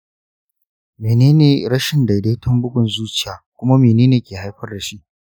menene rashin daidaiton bugun zuciya kuma menene ke haifar da shi?